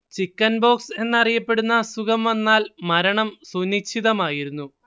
chickenpox എന്നറിയപ്പെടുന്ന അസുഖം വന്നാൽ മരണം സുനിശ്ചിതമായിരുന്നു